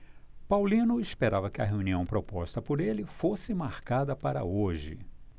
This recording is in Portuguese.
paulino esperava que a reunião proposta por ele fosse marcada para hoje